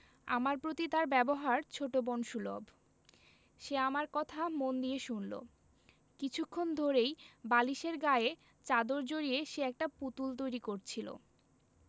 আমার প্রতি তার ব্যবহার ছোট বোন সুলভ সে আমার কথা মন দিয়ে শুনলো কিছুক্ষণ ধরেই বালিশের গায়ে চাদর জড়িয়ে সে একটা পুতুল তৈরি করছিলো